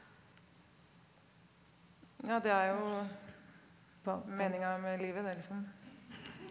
ja det er jo på meninga med livet det liksom.